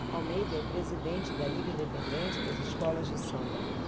almeida é presidente da liga independente das escolas de samba